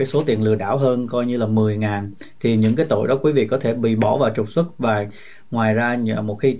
số tiền lừa đảo hơn coi như là mười ngàn thì những cái tội đó quý vị có thể bị bỏ và trục xuất và ngoài ra nhờ một cái